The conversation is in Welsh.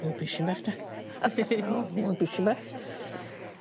Duw bishyn bach 'de. Ydi. O fo'n bishyn bach.